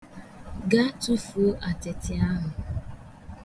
Gaa tufuo atịtị ahu.